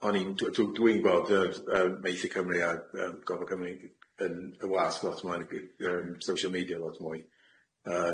Yym o'n i'n dw- dw- dwi'n gweld yr yym Maethu Cymru a yym Gofal Cymru yn y wasg lot mwy ag yy social media lot mwy.